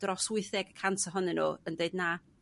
dros wytheg y cant ohonyn n'w yn deud na